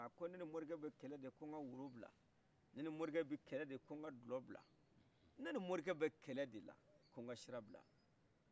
ne ni morikɛ bɛ kɛlɛ de ka woro bila ne ni morikɛ bɛ kɛlɛ de ka dɔlɔ bila ne ni morikɛ bɛ kɛlɛ ka sira bila